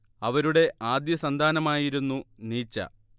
അവരുടെ ആദ്യസന്താനമായിരുന്നു നീച്ച